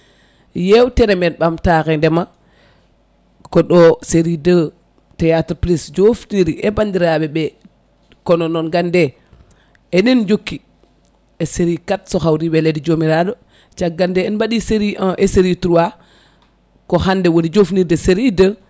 yewtere men ɓamtare ndeema ko ɗo série deux théâtre plus joftiri e bandiraɓeɓe kono noon gande enen jooki e série 4so hawri welede jomiraɗo caggal nde en mbaɗi série 1 et série 3 ko hande woni jofnirde série 2